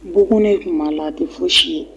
Bukun de tun b'a la, a tɛ fosi ye.